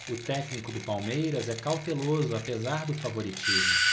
o técnico do palmeiras é cauteloso apesar do favoritismo